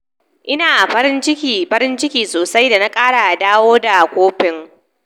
Ina farin ciki, farin ciki sosai da na kara dawo da kofin.